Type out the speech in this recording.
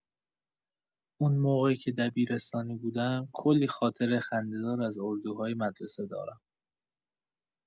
اون موقع که دبیرستانی بودم، کلی خاطره خنده‌دار از اردوهای مدرسه دارم.